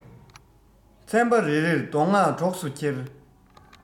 ཚན པ རེ རེས མདོ སྔགས གྲོགས སུ འཁྱེར